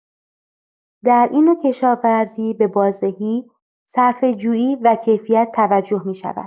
در این نوع کشاورزی به بازدهی، صرفه‌جویی و کیفیت توجه می‌شود.